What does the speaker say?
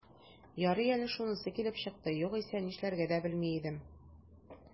Ярый әле шунысы килеп чыкты, югыйсә, нишләргә дә белми идем...